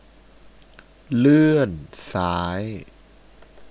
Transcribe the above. เลื่อนซ้าย